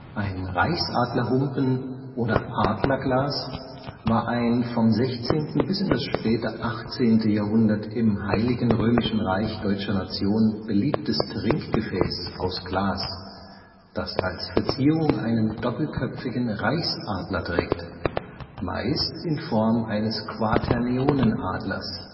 Ein Reichsadlerhumpen oder Adlerglas war ein vom 16. bis ins späte 18. Jahrhundert im Heiligen Römischen Reich Deutscher Nation beliebtes Trinkgefäß aus Glas, das als Verzierung einen doppelköpfigen Reichsadler trägt, meist in Form eines Quaternionenadlers